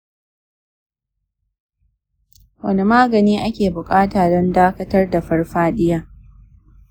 wani magani ake buƙata don dakatar da farfaɗiya?